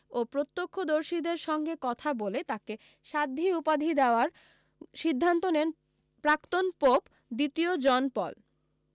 ও প্রত্যক্ষদর্শীদের সঙ্গে কথা বলে তাঁকে সাধ্বী উপাধি দেওয়ার সিদ্ধান্ত নেন প্রাক্তন পোপ দ্বিতীয় জন পল